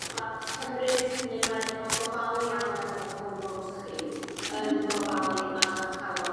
ma' cymryd neu mae ma' gofalu am lefel 'ych hormons chi yn gofalu am 'ych calon